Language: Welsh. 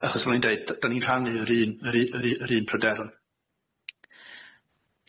Achos fel o'n i'n deud d- 'dyn ni'n rhannu yr un yr u- yr u- yr un pryderon.